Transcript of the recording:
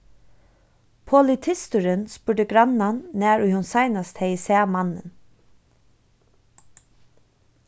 politisturin spurdi grannan nær ið hon seinast hevði sæð mannin